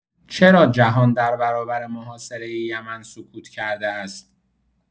چرا جهان در برابر محاصره یمن سکوت کرده است؟